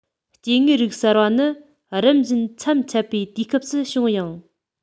སྐྱེ དངོས རིགས གསར པ ནི རིམ བཞིན མཚམས ཆད པའི དུས སྐབས སུ བྱུང ཡང